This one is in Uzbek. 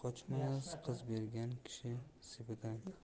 qochmas qiz bergan kishi sepidan